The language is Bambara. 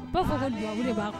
Ko fo ka du wili b ban